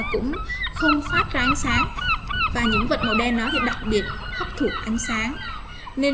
mà cũng không phát ra ánh sáng và những vật màu đen đó thì đặc biệt hấp thụ ánh sáng